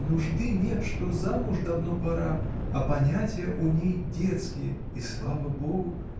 нужды нет, что замуж давно пора, а понятия у ней детские — и слава Богу!